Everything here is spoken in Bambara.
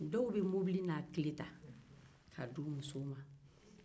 dɔw bɛ mɔbili n'a kile ta k'a dit u musow ma